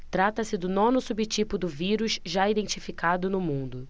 trata-se do nono subtipo do vírus já identificado no mundo